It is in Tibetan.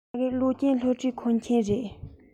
ཕ གི གློག ཅན སློབ ཁྲིད ཁང ཆེན ཡིན